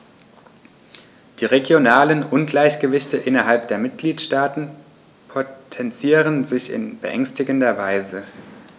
Die regionalen Ungleichgewichte innerhalb der Mitgliedstaaten potenzieren sich in beängstigender Weise.